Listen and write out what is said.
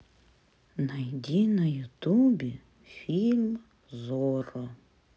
найди на ютубе фильм зорро